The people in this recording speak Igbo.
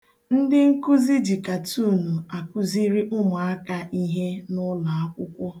Ndị nkụzi ji katuunu akụziri ụmụaka ihe n'ụlọakwụkwọ.